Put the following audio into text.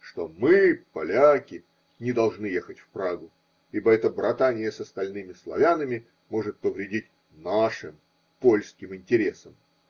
что мы, поляки, не должны ехать в Прагу, ибо это братание с остальными славянами может повредить нашим польским интересам.